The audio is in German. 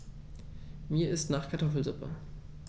Mir ist nach Kartoffelsuppe.